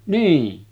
niin